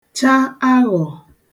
cha aghọ̀